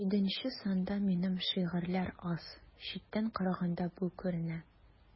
Җиденче санда минем шигырьләр аз, читтән караганда бу күренә.